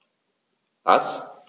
Was?